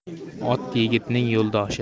ot yigitning yo'ldoshi